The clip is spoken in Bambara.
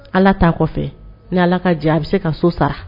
Ala t' a kɔfɛ ni ala ka jɛ a bɛ se ka so sara